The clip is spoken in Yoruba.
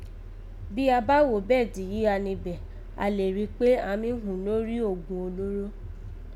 Bí a bá wò bẹ́ẹ̀di yìí gha nibé, a lè ri kpé àán mí hùn norígho ògùn olóró